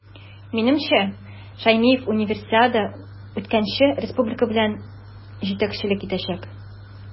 Минемчә, Шәймиев Универсиада үткәнче республика белән җитәкчелек итәчәк.